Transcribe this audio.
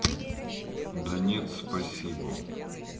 да нет спасибо